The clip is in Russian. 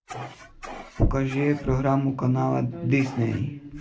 покажи программу канала дисней